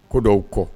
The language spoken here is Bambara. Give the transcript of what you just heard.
Ko dɔw kɔ